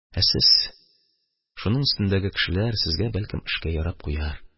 Ә сез – шуның өстендәге кешеләр, сезгә, бәлкем, эшкә ярап куяр.